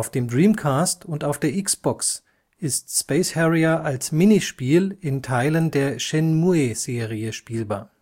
dem Dreamcast und auf der Xbox ist Space Harrier als Minispiel in Teilen der Shenmue-Serie spielbar